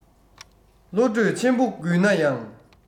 བློ གྲོས ཆེན པོ རྒུད ན ཡང